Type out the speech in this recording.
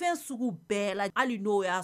Fɛn sugu bɛɛ la hali n'o yan